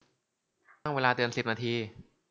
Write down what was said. ตั้งเวลาเตือนสิบนาที